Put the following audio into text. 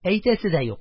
Әйтәсе дә юк,